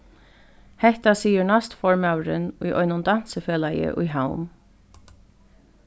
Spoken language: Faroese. hetta sigur næstformaðurin í einum dansifelagi í havn